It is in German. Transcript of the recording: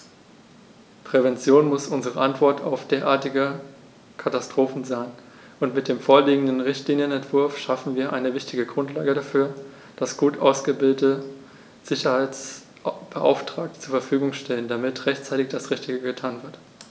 Prävention muss unsere Antwort auf derartige Katastrophen sein, und mit dem vorliegenden Richtlinienentwurf schaffen wir eine wichtige Grundlage dafür, dass gut ausgebildete Sicherheitsbeauftragte zur Verfügung stehen, damit rechtzeitig das Richtige getan wird.